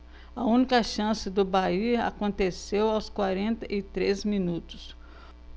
a única chance do bahia aconteceu aos quarenta e três minutos